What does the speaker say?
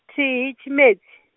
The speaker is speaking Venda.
thihi tshimedzi.